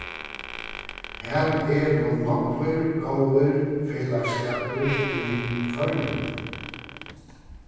har eru nógvir góðir felagsskapir í føroyum